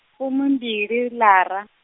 fumimbili lara.